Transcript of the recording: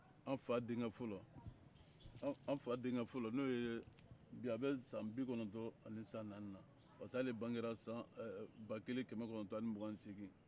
an fa denkɛ fɔlɔ an fa denkɛ fɔlɔ n'o ye bi a bɛ san bi kɔnɔntɔn ni san naani na parce que ale bangera san ba kelen ani kɛmɛ kɔnɔntɔn ni mugan ni seegin